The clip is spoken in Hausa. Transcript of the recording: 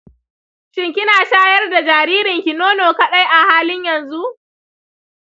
shin kina shayar da jaririnki nono kaɗai a halin yanzu?